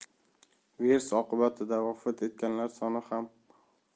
virus oqibatida vafot etganlar soni